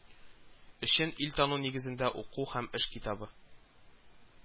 Өчен ил тану нигезендә уку һәм эш китабы